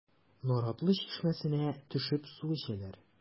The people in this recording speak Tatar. Наратлы чишмәсенә төшеп су эчәләр.